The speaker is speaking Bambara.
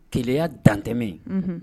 Keleya dantɛmɛ .